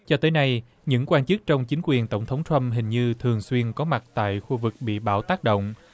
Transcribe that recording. cho tới nay những quan chức trong chính quyền tổng thống trăm hình như thường xuyên có mặt tại khu vực bị bão tác động